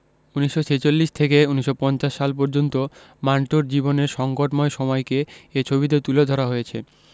১৯৪৬ থেকে ১৯৫০ সাল পর্যন্ত মান্টোর জীবনের সংকটময় সময়কে এ ছবিতে তুলে ধরা হয়েছে